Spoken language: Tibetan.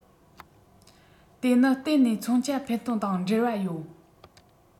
དེ ནི གཏན ནས མཚོན ཆ འཕེན གཏོང དང འབྲེལ བ ཡོད